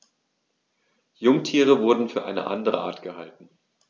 Jungtiere wurden für eine andere Art gehalten.